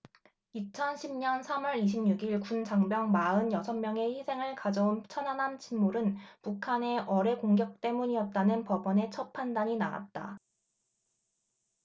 이천 십 년 삼 월 이십 육 일 군 장병 마흔 여섯 명의 희생을 가져온 천안함 침몰은 북한의 어뢰 공격 때문이었다는 법원의 첫 판단이 나왔다